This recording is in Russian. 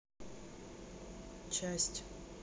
часть